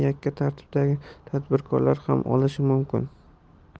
yakka tartibdagi tadbirkorlar ham olishi mumkin